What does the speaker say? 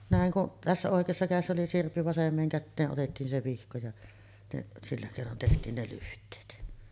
näin kun tässä oikeassa kädessä oli sirppi vasempaan käteen otettiin se vihko ja ne sillä keinoin tehtiin ne lyhteet